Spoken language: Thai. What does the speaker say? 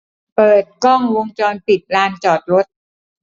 เปิดกล้องวงจรปิดลานจอดรถ